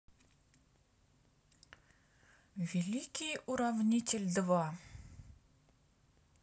великий уравнитель два